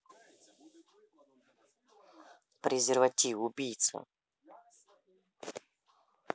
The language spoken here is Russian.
презерватив убийца